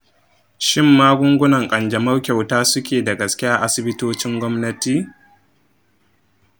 shin magungunan kanjamau kyauta suke da gaske a asibitocin gwamnati?